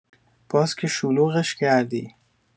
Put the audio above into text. باز که شلوغش کردی؟